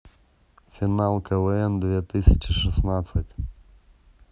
финал квн две тысячи шестнадцать